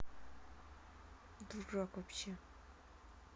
дурак вообще